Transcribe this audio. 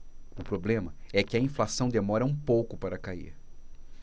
o problema é que a inflação demora um pouco para cair